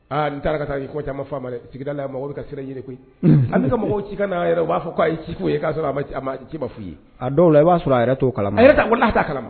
Aaa nin taara ka taa caama f'a ma dɛ, sigida la mɔgɔw bɛ ka siran i ɲɛ koyi , unhun, hali ka mɔgɔw ci kana yɛrɛ u b'a fɔ ko a ye ci fɔ i ye k'a sɔrɔ a ma ci fɔ i ye , a dɔw la a b'a sɔrɔ a yɛrɛ t'o kalama, wallahi a t'a kalama!